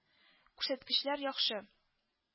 Күрсәткечләр яхшы